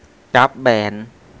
กราฟแบรนด์